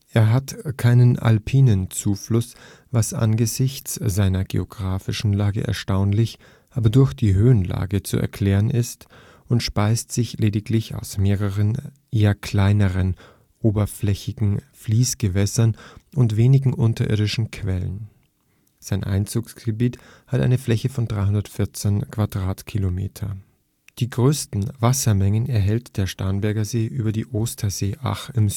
Er hat keinen alpinen Zufluss, was angesichts seiner geographischen Lage erstaunlich, aber durch die Höhenlage zu erklären ist, und speist sich lediglich aus mehreren eher kleineren oberflächigen Fließgewässern und wenigen unterirdischen Quellen. Sein Einzugsgebiet hat eine Fläche von 314 Quadratkilometer. Die größten Wassermengen erhält der Starnberger See über die Ostersee-Ach im